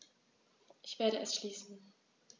Ich werde es schließen.